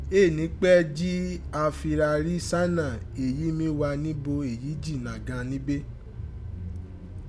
Éè ní pẹ́ jí a fi ra rí Sáínà èyí mi wa ní ibo èyí jìnnà gan an níbé.